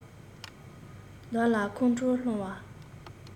བདག ལ ཁོང ཁྲོ སློང བ